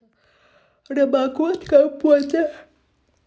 робокот компота